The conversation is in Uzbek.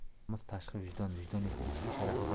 nomus tashqi vijdon vijdon esa ichki sharafdir